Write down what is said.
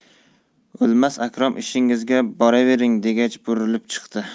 o'lmas akrom ishingizga boravering degach burilib chiqdi